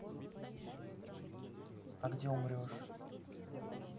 а где умрешь